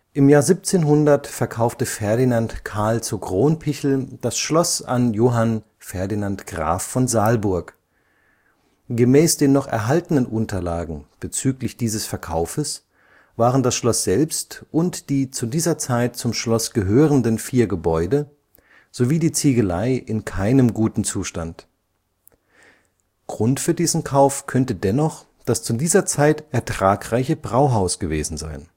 1700 verkaufte Ferdinand Carl zu Cronpichl das Schloss an Johann Ferdinand Graf von Salburg. Gemäß den noch erhaltenen Unterlagen bezüglich dieses Verkaufes waren das Schloss selbst und die zu dieser Zeit zum Schloss gehörenden vier Gebäude, sowie die Ziegelei, in keinem guten Zustand. Grund für diesen Kauf könnte dennoch das zu dieser Zeit ertragreiche Brauhaus gewesen sein